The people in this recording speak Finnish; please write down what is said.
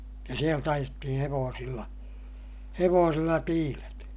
ja sieltä ajettiin hevosilla hevosilla tiilet